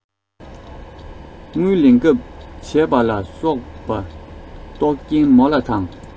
དངུལ ལེན ཐབས བྱས པ ལ སོགས པ རྟོག རྐྱེན མོ ལ དང